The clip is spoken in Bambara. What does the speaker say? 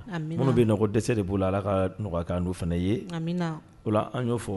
Minnu bɛ nɔgɔ dɛsɛ de b' ala kakan fana ye ola an'o fɔ